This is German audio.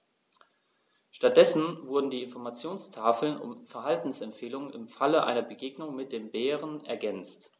Stattdessen wurden die Informationstafeln um Verhaltensempfehlungen im Falle einer Begegnung mit dem Bären ergänzt.